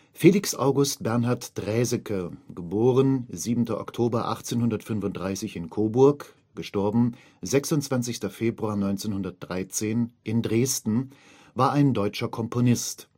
Felix August Bernhard Draeseke (* 7. Oktober 1835 in Coburg; † 26. Februar 1913 in Dresden) war ein deutscher Komponist